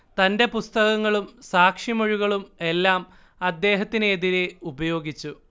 തന്റെ പുസ്തകങ്ങളും സാക്ഷിമൊഴികളും എല്ലാം അദ്ദേഹത്തിന് എതിരെ ഉപയോഗിച്ചു